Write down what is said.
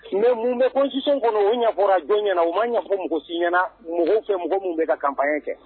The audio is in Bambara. Mɛ mun bɛ kunsisi kɔnɔ ufɔra jɔn ɲɛna u ma ɲɛfɔ mugusi ɲɛna mɔgɔw fɛ mɔgɔ minnu bɛ ka ka kɛ